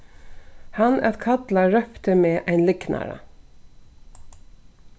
hann at kalla rópti meg ein lygnara